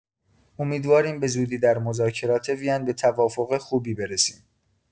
امیدواریم به‌زودی در مذاکرات وین به توافق خوبی برسیم.